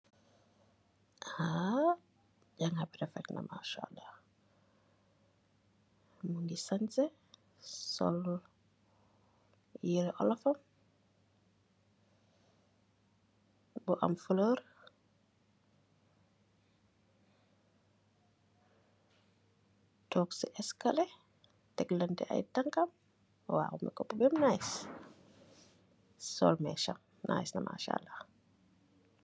haleh bu jigeen bu sahseh .